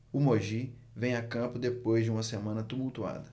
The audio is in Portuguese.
o mogi vem a campo depois de uma semana tumultuada